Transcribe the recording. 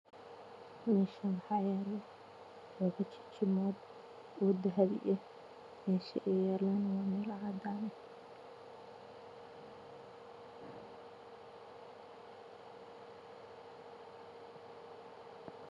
Meeshaan waxaa yaalo labo jijimood oo dahabi meesha ay yaalana waa meel cadaan